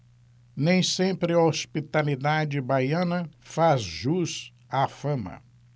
nem sempre a hospitalidade baiana faz jus à fama